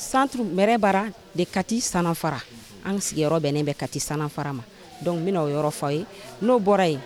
Santuuru m bara de kati sanfa an sigiyɔrɔ bɛnnen bɛ kati sanfa ma dɔnku bɛna o yɔrɔ fɔ ye n'o bɔra yen